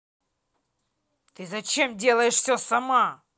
ты зачем делаешь все сама